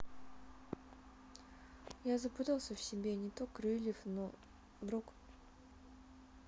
я запутался в себе не то крыльев но вдруг